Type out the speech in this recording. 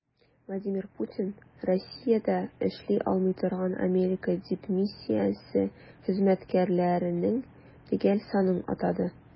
Владимир Путин Россиядә эшли алмый торган Америка дипмиссиясе хезмәткәрләренең төгәл санын атады.